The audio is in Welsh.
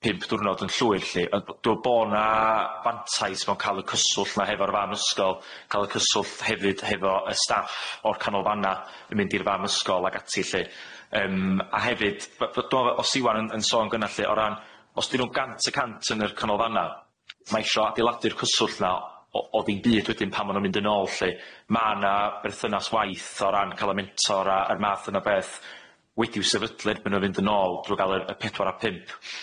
pump diwrnod yn llwyr lly yy dw' bo 'na fantais mewn ca'l y cyswllt 'ma hefo'r fam ysgol ca'l y cyswllt hefyd hefo y staff o'r canolfanna yn mynd i'r fam ysgol ag ati lly yym a hefyd b- dw'mo' fel o'dd Siwan yn sôn gynna lly o ran os 'di nw'n gant y cant yn yr canolfanna ma' isho adeiladu'r cyswllt 'na o- o ddim byd wedyn pan ma' nw'n mynd yn ôl lly ma' 'na berthynas waith o ran ca'l y mentor a a'r math yna beth wedi'w sefydlu erbyn 'ddy nw mynd yn ôl drw ga'l yr y pedwar a pump.